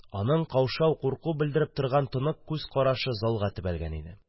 Аның каушау-курку белдереп торгандай тонык күз карашы залга төбәлгән иде.